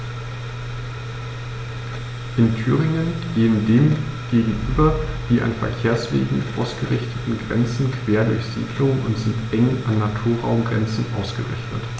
In Thüringen gehen dem gegenüber die an Verkehrswegen ausgerichteten Grenzen quer durch Siedlungen und sind eng an Naturraumgrenzen ausgerichtet.